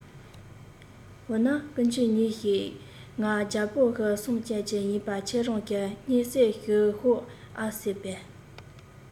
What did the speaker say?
འོ ན སྐུ མཁྱེན ཉིན ཞིག ང རྒྱལ པོའོ སར བཅར གྱི ཡིན པས ཁྱེད རང གིས སྙན གསེང ཞུས ཤོག ཨྰ ཟེར བས